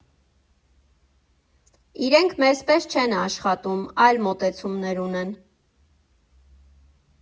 Իրենք մեզ պես չեն աշխատում, այլ մոտեցումներ ունեն։